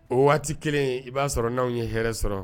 O waati kelen i b'a sɔrɔ n'anw ye hɛrɛ sɔrɔ